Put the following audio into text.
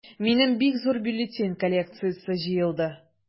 Минем бик зур бюллетень коллекциясе җыелды.